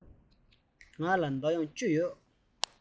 ང ལ སྒོར བཅུ ཡོད